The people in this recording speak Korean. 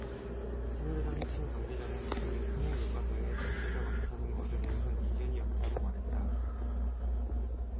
새누리당 핵심 관계자는 구 일 현행 교과서에 문제가 많다는 것에 대해선 이견이 없다고 말했다